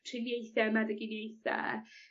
triniaethe meddyginiaethe